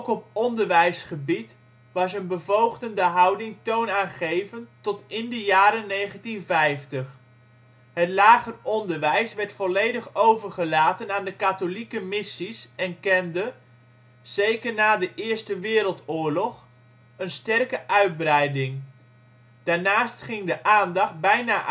op onderwijsgebied was een bevoogdende houding toonaangevend tot in de jaren 1950. Het lager onderwijs werd volledig overgelaten aan de katholieke missies en kende, zeker na de Eerste Wereldoorlog, een sterke uitbreiding. Daarnaast ging de aandacht bijna